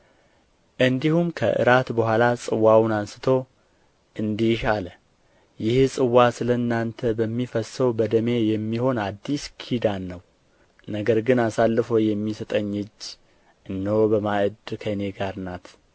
እንዲሁም ከእራት በኋላ ጽዋውን አንሥቶ እንዲህ አለ ይህ ጽዋ ስለ እናንተ በሚፈሰው በደሜ የሚሆን አዲስ ኪዳን ነው ነገር ግን አሳልፎ የሚሰጠኝ እጅ እነሆ በማዕድ ከእኔ ጋር ናት